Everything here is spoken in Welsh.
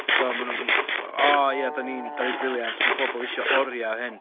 Ti'n gwbod maen nhw... o ie, dan ni'n briliant, mae pobl eisiau oriau o hyn.